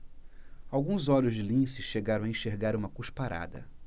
alguns olhos de lince chegaram a enxergar uma cusparada